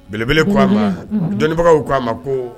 Belebele ko' a ma dɔnnibagaww ko' a ma ko